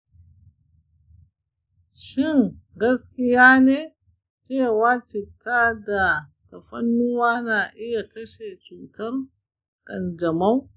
shin gaskiya ne cewa citta da tafarnuwa na iya kashe cutar kanjamau?